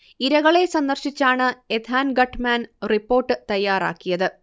ഇരകളെ സന്ദർശിച്ചാണ് Ethan Gutmann report തയാറാക്കിയത്